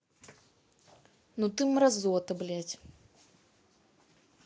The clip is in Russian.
ну ты мразота блядь